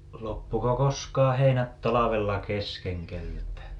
loppuiko koskaan heinät talvella kesken keneltäkään